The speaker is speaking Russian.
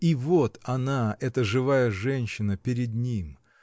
И вот она, эта живая женщина, перед ним!